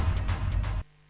chúng